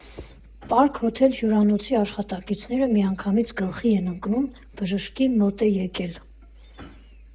Պարկ հոթել հյուրանոցի աշխատակիցները միանգամից գլխի են ընկնում՝ բժշկի մոտ է եկել։